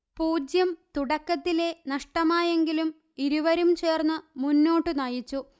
പൂജ്യം തുടക്കത്തിലേ നഷ്ടമായെങ്കിലും ഇരുവരും ചേർന്ന്മുന്നോട്ടു നയിച്ചു